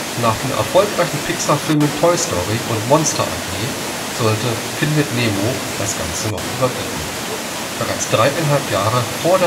Nach den erfolgreichen Pixarfilmen Toy Story und Monster AG sollte Findet Nemo das Ganze noch überbieten. Bereits dreieinhalb Jahre vor